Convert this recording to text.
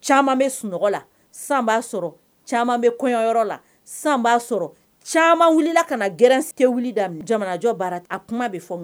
Caman bɛ sunɔgɔ la san b'a sɔrɔ caman bɛ kɔɲɔyɔrɔ la san b'a sɔrɔ caman wulilala ka na garangɛ wili da jamanajɔ bara kuma bɛ fɔ